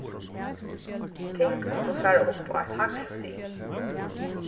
ting kunnu fara upp á eitt hægri stig